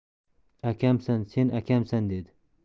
akamsan sen akamsan dedi